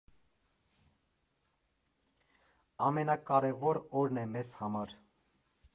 Ամենակարևոր օրն է մեզ համար։